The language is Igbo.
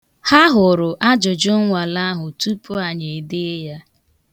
Ha hụrụ ajụjụ nnwale ahụ tupụ anyị edee ya.